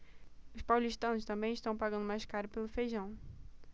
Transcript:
os paulistanos também estão pagando mais caro pelo feijão